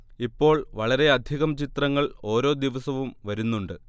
ഇപ്പോൾ വളരെയധികം ചിത്രങ്ങൾ ഓരോ ദിവസവും വരുന്നുണ്ട്